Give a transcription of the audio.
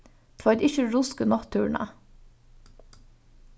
tveit ikki rusk í náttúruna